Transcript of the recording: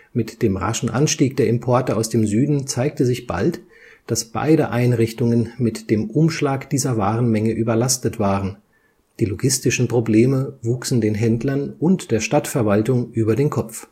Mit dem raschen Anstieg der Importe aus dem Süden zeigte sich bald, dass beide Einrichtungen mit dem Umschlag dieser Warenmenge überlastet waren, die logistischen Probleme wuchsen den Händlern und der Stadtverwaltung über den Kopf